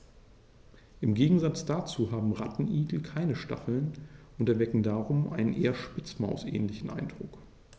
Im Gegensatz dazu haben Rattenigel keine Stacheln und erwecken darum einen eher Spitzmaus-ähnlichen Eindruck.